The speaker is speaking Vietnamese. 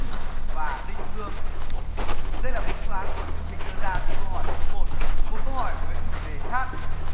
và đinh hương đây là bốn phương án của chương trình đưa ra cho câu hỏi số một một câu hỏi với chủ đề hát